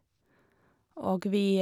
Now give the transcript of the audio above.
Og vi...